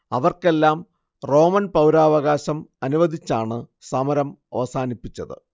അവർക്കെല്ലാം റോമൻ പൗരാവകാശം അനുവദിച്ചാണ് സമരം അവസാനിപ്പിച്ചത്